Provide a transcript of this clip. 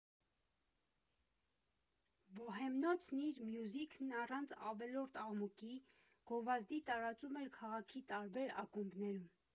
Բոհեմնոցն իր մյուզիքն առանց ավելորդ աղմուկի, գովազդի տարածում էր քաղաքի տարբեր ակումբներում։